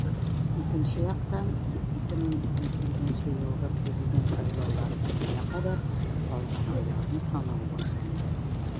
Икенче яктан - 2018 елгы Президент сайлаулары көненә кадәр калган айларны санау башланды.